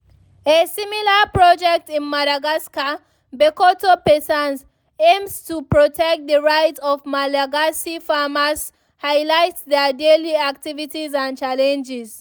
A similar project in Madagascar, Bekoto Paysans, aims to protect the rights of Malagasy farmers, highlights their daily activities and challenges (fr).